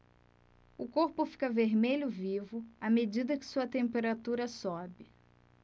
o corpo fica vermelho vivo à medida que sua temperatura sobe